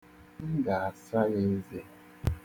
M ga-asa ya eze.